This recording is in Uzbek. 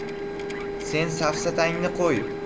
sen safsatangni qo'y